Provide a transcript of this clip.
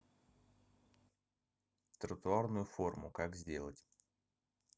тротуарную форму как сделать